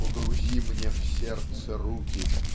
"погрузи мне в сердце руки"